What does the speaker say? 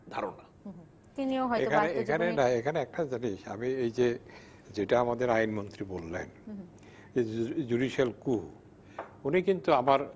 ধারণা তিনিও হয়তো বা এখানে এখানে না এখানে একটা একটা জিনিস আমি এই যে যেটা আমাদের আইন মন্ত্রী বললেন জুডিশিয়াল ক্যু উনি কিন্তু আবার